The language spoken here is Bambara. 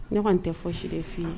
Ne kɔni tɛ fɔsi de f'i ye